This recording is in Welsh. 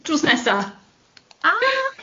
Na, drws nesa!